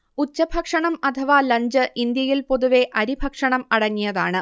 ഉച്ചഭക്ഷണം അഥവ ലഞ്ച് ഇന്ത്യയിൽ പൊതുവെ അരിഭക്ഷണം അടങ്ങിയതാണ്